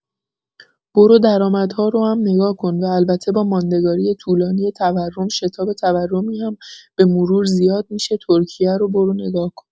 برو درآمدهارو هم نگاه کن و البته با ماندگاری طولانی تورم شتاب تورمی هم به‌مرور زیاد می‌شه ترکیه رو برو نگاه کن